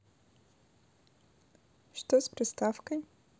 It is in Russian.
что с приставкой